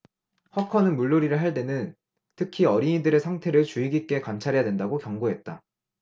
허커는 물놀이를 할 대는 특히 어린이들의 상태를 주의깊게 관찰해야 된다고 경고했다